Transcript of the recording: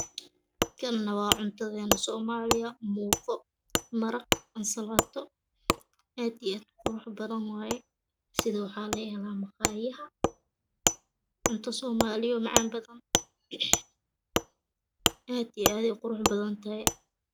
Kane waa cuntadena soomaaliya muufo maraq ansalato aad iyo aad u qurux badan waye sida waxa laga hela maqayadayaha cunto somaliya macana badan aad iyo aad ayeye u qurux badan tahay